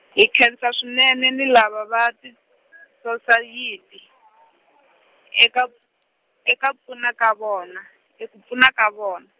hi nkhensa swinene ni lava va, tisosayiti , eka k-, eka pfuna ka vona, e ku pfuna ka vona.